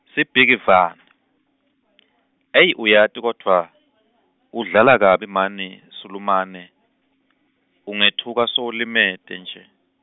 sibhikivane, eyi uyati kodvwa, udlala kabi mani, Sulumane, ungetfuka sowulimete nje.